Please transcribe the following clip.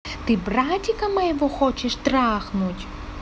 ты братика моего хочешь трахнуть